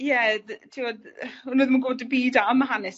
ie ddy- t'mod o'n nw ddim yn gwbod dim byd am hanes